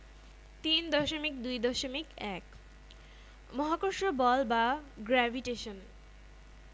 তোমাদের মতো প্রাচীন দার্শনিকেরাও এ নিয়ে বহু চিন্তা ভাবনা করেছেন প্রাচীন গ্রিক দার্শনিকেরা ভাবতেন মাটি পানি বায়ু এবং আগুন ইত্যাদি মৌলিক পদার্থ আর অন্য সকল বস্তু এদের মিশ্রণে তৈরি